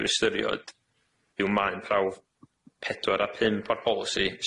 i'w ystyried yw maen prawf pedwar a pump o'r polisi